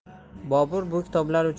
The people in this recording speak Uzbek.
bobur bu kitoblar uchun